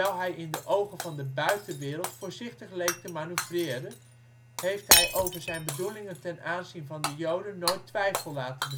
hij in de ogen van de buitenwereld voorzichtig leek te manoeuvreren, heeft hij over zijn bedoelingen ten aanzien van de Joden nooit twijfel laten bestaan